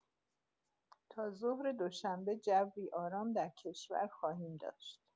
تا ظهر دوشنبه جوی آرام در کشور خواهیم داشت.